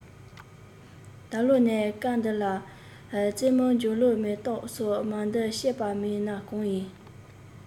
ད ལོའི ནས དཀར འདི ལ ཙེ མོར འཛར ལོ མེད སྟབས སོག མ འདི སྐྱེད པ མིན ན གང ཡིན